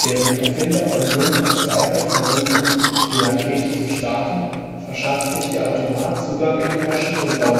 Während Erfinder und Hund verzweifelt versuchen die Rakete zu starten, verschafft sich der Automat Zugang in den Maschinenraum